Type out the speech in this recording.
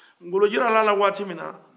ngolo jirar'a la waati min na